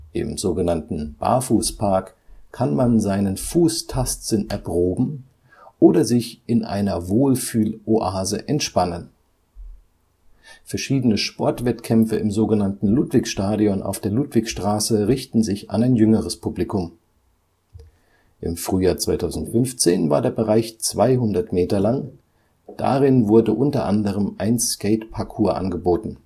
Im „ Barfußpark “kann man seinen Fußtastsinn erproben oder sich in einer „ Wohlfühl-Oase “entspannen. Verschiedene Sportwettkämpfe im sogenannten „ Ludwigstadion “auf der Ludwigstraße richten sich an ein jüngeres Publikum. Im Frühjahr 2015 war der Bereich 200 Meter lang, darin wurde unter anderem ein Skate-Parcours angeboten